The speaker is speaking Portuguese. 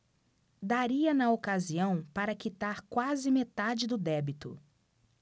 daria na ocasião para quitar quase metade do débito